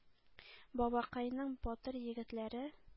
«бабакай »ның батыр егетләре